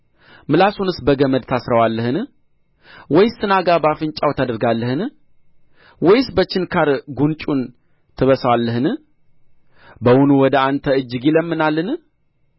ምላሱንስ በገመድ ታስረዋለህን ወይስ ስናጋ በአፍንጫው ታደርጋለህን ወይስ በችንካር ጕንጩን ትበሳለህን በውኑ ወደ አንተ እጅግ ይለምናልን